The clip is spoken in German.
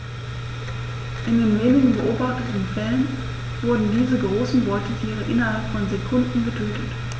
In den wenigen beobachteten Fällen wurden diese großen Beutetiere innerhalb von Sekunden getötet.